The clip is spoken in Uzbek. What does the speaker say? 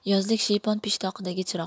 yozlik shiypon peshtoqidagi chiroqni